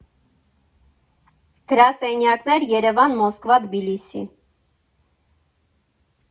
Գրասենյակներ՝ Երևան, Մոսկվա, Թբիլիսի։